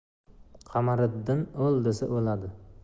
qamariddin o'l desa o'ladi